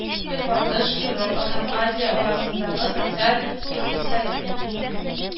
Көнбатыш, Европа һәм Азия арасындагы социаль, икътисади,